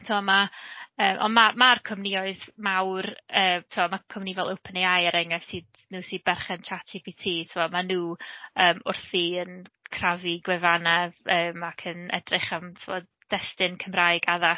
Timod 'ma yy ond ma' ma'r cwmnioedd mawr yy timod, ma' cwmni fel Open AI er enghraifft sy'n... nhw sy'n berchen ar *ChatGPT tibod, maen nhw wrthi'n crafu gwefannau yym ac yn edrych am tibod destun Cymraeg addas.